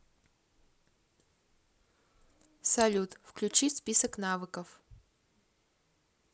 салют включи список навыков